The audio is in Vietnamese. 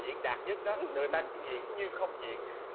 diễn đạt nhất đó người ta diễn như không diễn